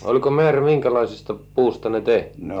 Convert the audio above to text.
oliko määrä minkälaisesta puusta ne tehtiin